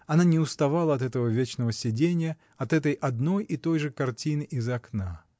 Она не уставала от этого вечного сиденья, от этой одной и той же картины из окна.